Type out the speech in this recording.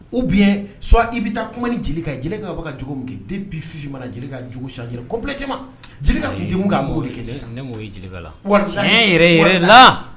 U bi sɔ i bɛ taa kuma ni jeli ka jeli ka bɔ ka jugu min kɛ den bi fi mana jeli ka kobi camanma jeli ka didenwmu' b'o kɛ sisan ye la yɛrɛ yɛrɛ la